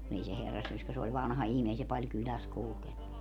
kun ei se herrassyöskä se oli vanha ihminen ei se paljon kylässä kulkenut